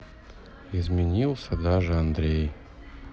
изменился даже андрей